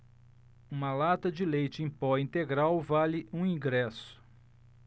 uma lata de leite em pó integral vale um ingresso